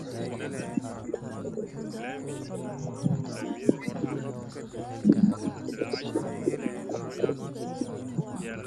Meshan waa miis waxa saran miis cadaan ah sapaayad ayaa dulsaran saxan